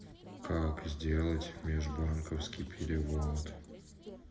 как сделать межбанковский перевод